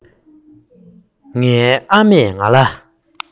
ངའི ཨ མས ང ལ